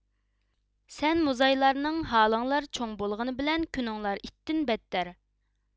سەن موزايلارنىڭ ھالىڭلار چوڭ بولغىنى بىلەن كۈنۈڭلار ئىتتىن بەتتەر